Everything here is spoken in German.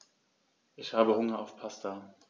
Ich habe Hunger auf Pasta.